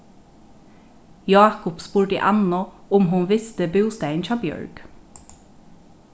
jákup spurdi annu um hon visti bústaðin hjá bjørg